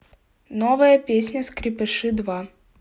новая песня скрепыши два